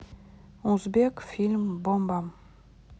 узбек фильм бомба